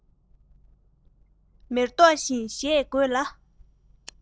མེ ཏོག བཞིན བཞེད དགོས ལ